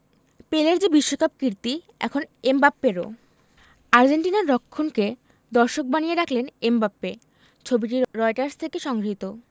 পেলের যে বিশ্বকাপ কীর্তি এখন এমবাপ্পেরও আর্জেন্টিনার রক্ষণকে দর্শক বানিয়ে রাখলেন এমবাপ্পে ছবিটি রয়টার্স থেকে সংগৃহীত